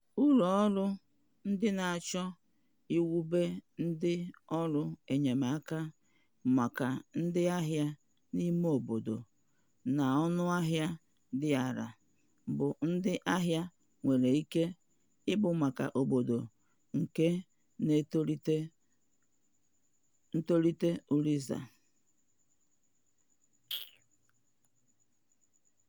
Ụlọọrụ ndị na-achọ iwube ndịọrụ enyemaka maka ndịahịa imeobodo n'ọnụahịa dị ala bụ ndịahịa nwere ike ịbụ maka mbido nke ntolite Uliza.